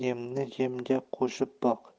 yemni yemga qo'shib boq